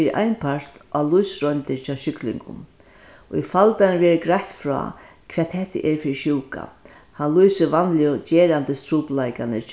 fyri ein part á lívsroyndir hjá sjúklingum í faldaranum verður greitt frá hvat hetta er fyri sjúka hann lýsir vanligu gerandistrupulleikarnir